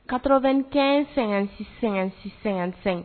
95 56 56 55